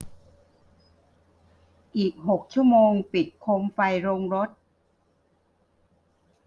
อีกหกชั่วโมงปิดโคมไฟโรงรถ